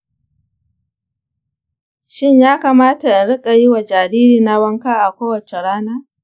shin ya kamata in rika yi wa jaririna wanka a kowace rana?